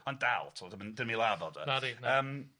Ond dal t'mod dim yn dim 'i ladd o de. Nadi na. Yym.